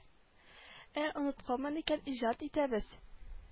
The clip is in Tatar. Ә онытканмын икән иҗат итәбез